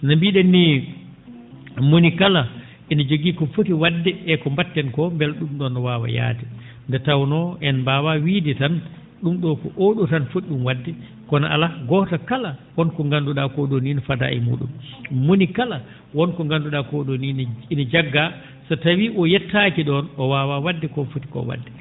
no mbii?en nii mo woni kala ina jogii ko foti wa?de e ko mba?eten ko mbele ?um ?oon waawa yahde nde tawnoo en mbaawa wiide tan ?um ?oo ko oo ?oo tan foti ?um wa?de kono alaa gooto kala won ko nganndu?aa oo ?oo nii no fadaa e muu?um mo woni kala won ko nganndu?aa ko ?oo nii ne ina jaggaa so tawii o yettaaki ?oon o waawaa wa?de ko o foti koo wa?de